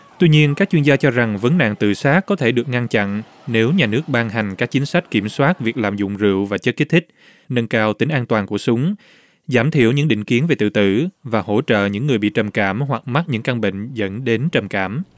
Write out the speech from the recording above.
tuy nhiên các chuyên gia cho rằng vấn nạn tự sát có thể được ngăn chặn nếu nhà nước ban hành các chính sách kiểm soát việc lạm dụng rượu và chất kích thích nâng cao tính an toàn của súng giảm thiểu những định kiến về tự tử và hỗ trợ những người bị trầm cảm hoặc mắc những căn bệnh dẫn đến trầm cảm